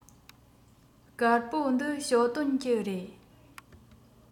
དཀར པོ འདི ཞའོ ཏོན གྱི རེད